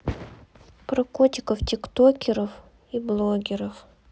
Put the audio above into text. про котиков тиктокеров и блогеров